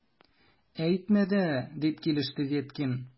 Әйтмә дә! - дип килеште Веткин.